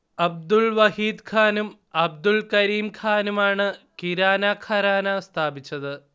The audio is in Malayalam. അബ്ദുൽ വഹീദ്ഖാനും അബ്ദുൽ കരീംഖാനുമാണ് കിരാന ഘരാന സ്ഥാപിച്ചത്